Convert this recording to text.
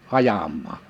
ajamaan